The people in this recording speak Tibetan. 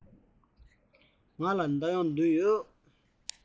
ང ལ སྒོར བདུན ཡོད